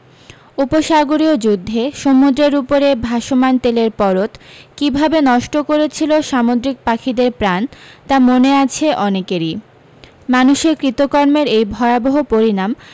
উপসাগরীয় যুদ্ধে সমুদ্রের উপরে ভাসমান তেলের পরত কী ভাবে নষ্ট করেছিল সামুদ্রিক পাখিদের প্রাণ তা মনে আছে অনেকেরি মানুষের কৃতকর্মের এই ভয়াবহ পরিণাম